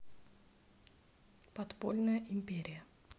подпольная империя